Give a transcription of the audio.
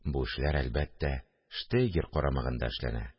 Бу эшләр, әлбәттә, штейгер карамагында эшләнә